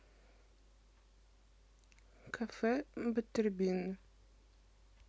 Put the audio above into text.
кафе баттербин